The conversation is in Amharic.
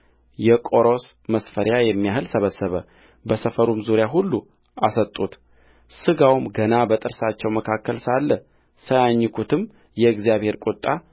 የቆሮስ መስፈሪያ የሚያህል ሰበሰበ በሰፈሩም ዙሪያ ሁሉ አሰጡትሥጋውም ገና በጥርሳቸው መካከል ሳለ ሳያኝኩትም የእግዚአብሔር ቍጣ